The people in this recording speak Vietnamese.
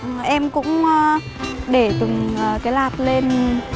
em cũng a để từng cái lạt lên